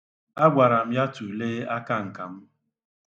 A gwara m ya tulee akanka m.